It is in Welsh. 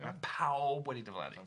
Ma' pawb wedi dyflannu.